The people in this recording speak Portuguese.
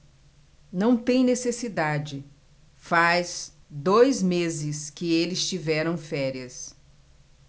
não tem necessidade faz dois meses que eles tiveram férias